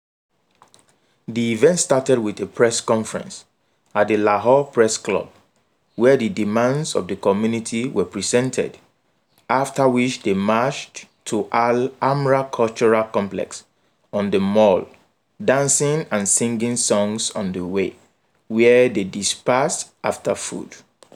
The event started with a Press Conference at the Lahore Press Club where the demands of the community were presented; after which they marched to Al Hamra Cultural Complex on the Mall dancing and singing songs on the way, where they dispersed after food.